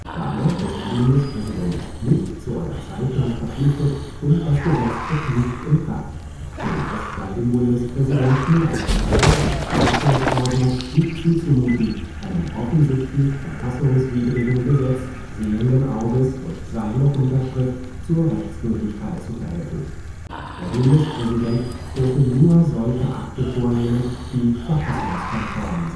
Danach ist der Bundespräsident nicht zur Unterzeichnung verpflichtet und das Gesetz tritt nicht in Kraft, denn es sei dem Bundespräsidenten als Teil der Verfassungsordnung nicht zuzumuten, einem offensichtlich verfassungswidrigen Gesetz sehenden Auges durch seine Unterschrift zur Rechtsgültigkeit zu verhelfen. Der Bundespräsident dürfe nur solche Akte vornehmen, die verfassungskonform